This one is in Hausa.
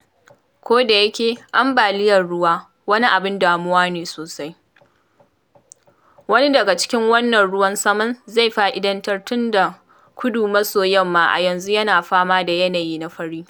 Kodayake ambaliyar ruwa wani abin damuwa ne sosai, wani daga cikin wannan ruwan saman zai fa’idantar tun da Kudu-maso-yamma a yanzu yana fama da yanayi na fari.